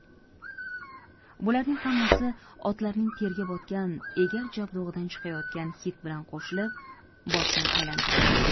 bularning hammasi otlarning terga botgan egar jabdug'idan chiqayotgan hid bilan qo'shilib boshni aylantirar edi